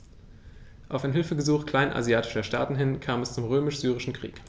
Auf ein Hilfegesuch kleinasiatischer Staaten hin kam es zum Römisch-Syrischen Krieg.